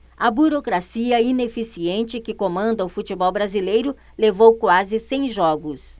a burocracia ineficiente que comanda o futebol brasileiro levou quase cem jogos